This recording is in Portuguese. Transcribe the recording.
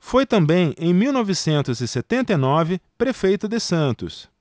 foi também em mil novecentos e setenta e nove prefeito de santos